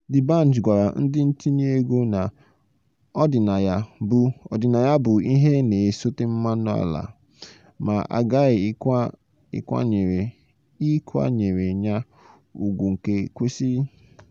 Dbanj gwara ndị ntinye ego na "ọdịnaya bụ ihe na-esote mmanụ ala" ma a ghaghị ịkwanyere ya ùgwù nke kwesịrị.